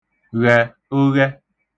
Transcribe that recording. ghẹ̀ oghẹ